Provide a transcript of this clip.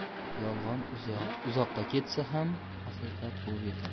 yolg'on uzoqqa ketsa ham haqiqat quvib yetar